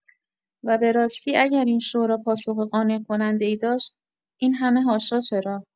و به‌راستی اگر این شورا پاسخ قانع کننده‌ای داشت، این همه حاشا چرا؟